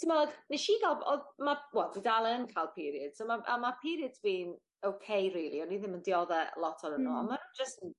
T'mod nech i ga'l o'dd ma' wel dwi dal yn ca'l periods a ma' a ma' periods fi'n oce rili o'n i ddim yn diodde lot ohonon n'aw a ma' n'w jyst 'n...